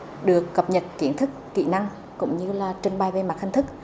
được cập nhật kiến thức kỹ năng cũng như là trình bày về mặt hình thức